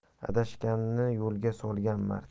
adashganni yo'lga solgan mard